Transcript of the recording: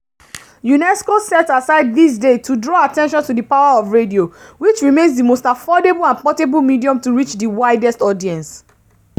UNESCO set aside this day to draw attention to the power of radio — which remains the most affordable and portable medium to reach the widest audience.